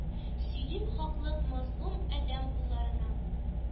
Сөйлим хаклык мазлум адәм улларына!